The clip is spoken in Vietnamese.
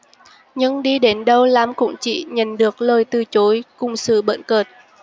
nhưng đi đến đâu lam cũng chỉ nhận được lời từ chối cùng sự bỡn cợt